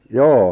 joo